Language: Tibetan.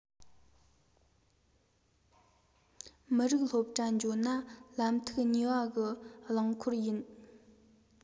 མི རིགས སློབ གྲྭ འགྱོ ན ལམ ཐིག གཉིས བ གི རླངས འཁོར ཡིན